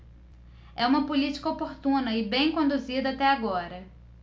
é uma política oportuna e bem conduzida até agora